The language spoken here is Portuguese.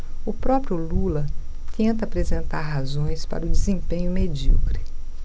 o próprio lula tenta apresentar razões para o desempenho medíocre